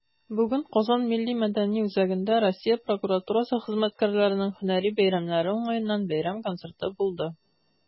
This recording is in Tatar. Бүген "Казан" ММҮдә Россия прокуратурасы хезмәткәрләренең һөнәри бәйрәмнәре уңаеннан бәйрәм концерты булды.